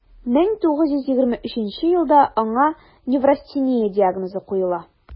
1923 елда аңа неврастения диагнозы куела: